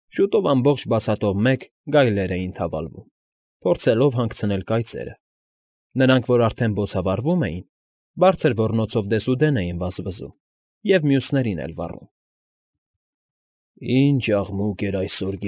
Շուտով ամբողջ բացատով մեկ գայլեր էին թավալվում՝ փորձելով հանգցնել կայծերը. նրանք, որ արդեն բոցավառվում էին, բարձր ոռնոցով դեսուդեն էին վազվզում և մյուսներին էլ վառում։ ֊ Ի՞նչ աղում էր այսօր։